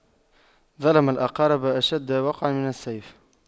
ظلم الأقارب أشد وقعا من السيف